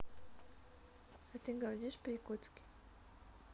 а ты говоришь по якутски